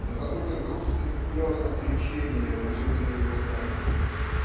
но какой-то грустный флер отречения лежит и на его страницах.